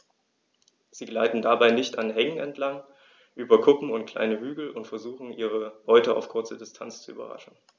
Sie gleiten dabei dicht an Hängen entlang, über Kuppen und kleine Hügel und versuchen ihre Beute auf kurze Distanz zu überraschen.